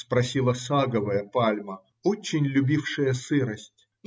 – спросила саговая пальма, очень любившая сырость.